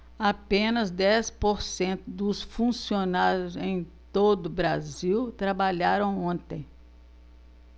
apenas dez por cento dos funcionários em todo brasil trabalharam ontem